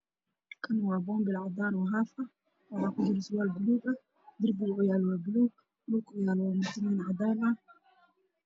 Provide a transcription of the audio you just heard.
Kan waa boonbale cadaan ah oo haaf ah waxaa ku jira surwaal buluug ah darbiga uu yaalo waa buluug dhulka uu yaalo waa mutuleel cadaan ah